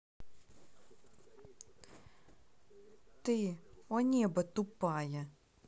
ты о неба тупая